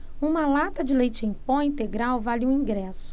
uma lata de leite em pó integral vale um ingresso